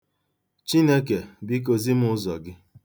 Chineke, biko, zi m ụzọ Gị.